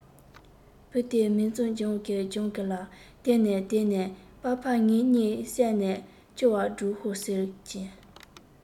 བུ དེས མིག འཛུམ རྒྱག གིན རྒྱག གིན ལ དེ ནས དེ ནས པ ཕས ངའི གཉིད བསད ནས ལྕི བ སྒྲུག ཤོག ཟེར གྱིས